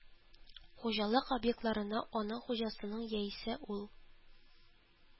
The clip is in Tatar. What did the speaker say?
Хуҗалык объектларына аның хуҗасының яисә ул